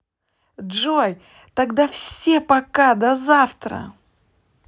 джой тогда все пока до завтра